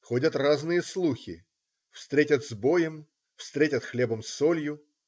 Ходят разные слухи: встретят с боем, встретят хлебом-солью.